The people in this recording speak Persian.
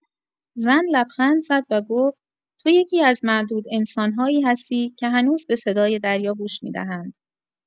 زن لبخند زد و گفت: «تو یکی‌از معدود انسان‌هایی هستی که هنوز به صدای دریا گوش می‌دهند.»